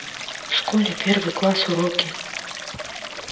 в школе первый класс уроки